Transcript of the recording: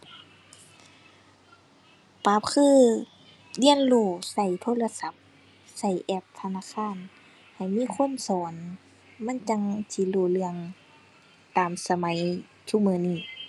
ปรับคือ เรียนรู้ใช้โทรศัพท์ ใช้แอปธนาคาร ให้มีคนสอนมันจั่งสิรู้เรื่องตามสมัยซุมื้อนี้